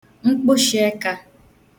mkpụshịẹka